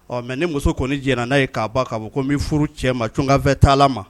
Ɔ mais ni muso kɔnni jɛnna n'a ye k'a ban, k'a fɔ ko n bɛ furu cɛ ma tunkanfɛtaa la ma